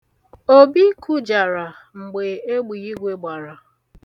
Obi kụjara mgbe egbiigwe gbara.